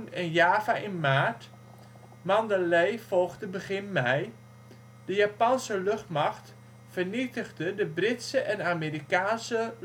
en Java in maart. Mandalay volgde begin mei. De Japanse luchtmacht vernietigde de Britse en Amerikaanse